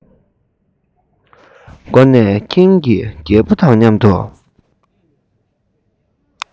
སྒོ ནས ཁྱིམ གྱི རྒད པོ དང མཉམ དུ